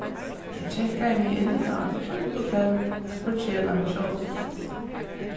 eg kekkaði meg inn á eitt fínt hotell at forkela meg sjálvan